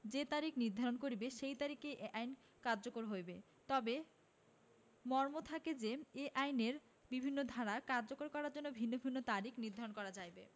যে তারিখ নির্ধারণ করিবে সেই তারিখে এই আইন কার্যকর হইবে তবে মর্ম থাকে যে এই আইনের বিভিন্ন ধারা কার্যকর করার জন্য ভিন্ন ভিন্ন তারিখ নির্ধারণ করা যাইবে